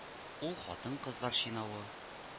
Ул хатын-кызлар чинавы